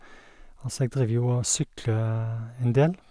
Altså, jeg driver jo og sykler en del.